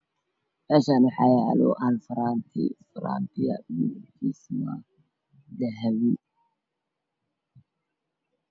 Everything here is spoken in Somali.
Meeshaan waxaa yaalo hal faraanti kalarkiisu yahay dahabi